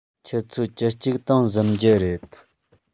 ཆུ ཚོད བཅུ གཅིག སྟེང གཟིམ གྱི རེད